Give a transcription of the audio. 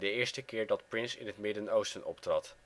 eerste keer dat Prince in het Midden-Oosten optrad